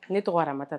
Ne tɔgɔramata